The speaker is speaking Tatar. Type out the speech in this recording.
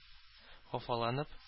Хафаланып